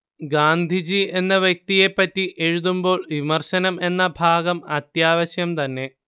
ഗാന്ധിജി എന്ന വ്യക്തിയെ പറ്റി എഴുതുമ്പോൾ വിമർശനം എന്ന ഭാഗം അത്യാവശ്യം തന്നെ